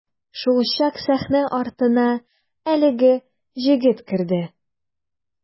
Шулчак сәхнә артына әлеге җегет керде.